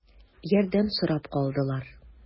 Ярдәм сорап калдылар.